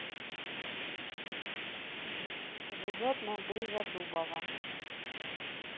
живет на гризодубова